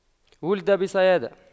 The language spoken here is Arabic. ولد بصيادة